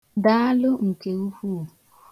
Daalụ nke ukwuu.